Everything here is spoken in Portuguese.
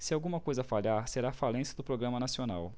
se alguma coisa falhar será a falência do programa nacional